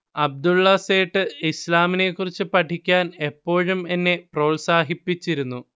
അബ്ദുള്ള സേഠ് ഇസ്ലാമിനേക്കുറിച്ച് പഠിക്കാൻ എപ്പോഴും എന്നെ പ്രോത്സാഹിപ്പിച്ചിരുന്നു